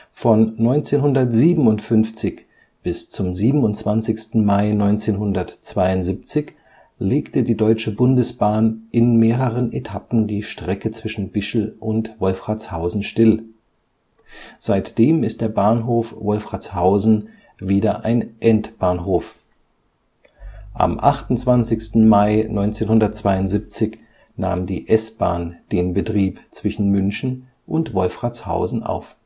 Von 1957 bis 27. Mai 1972 legte die Deutsche Bundesbahn in mehreren Etappen die Strecke zwischen Bichl und Wolfratshausen still, seitdem ist der Bahnhof Wolfratshausen wieder ein Endbahnhof. Am 28. Mai 1972 nahm die S-Bahn den Betrieb zwischen München und Wolfratshausen auf